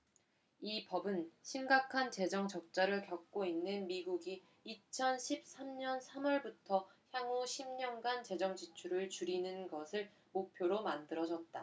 이 법은 심각한 재정적자를 겪고 있는 미국이 이천 십 삼 년 삼 월부터 향후 십 년간 재정지출을 줄이는 것을 목표로 만들어졌다